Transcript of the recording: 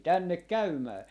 tänne käymään